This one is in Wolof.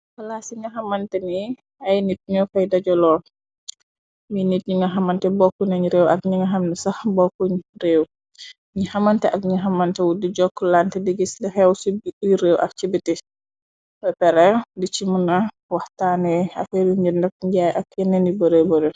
Palasci nga xamante ni ay nit ñoo fay dajoloon mi nit ñi nga xamante bokk nañ réew ak ñi nga xamni sax bokkuñ réew ñi xamante ak ñi xamante wu di jokk lante di gis li xew ci uy réew ak ci biti hepre di ci mu na wax taanee afeelu njir nak njaay ak yenne ni bëre bare.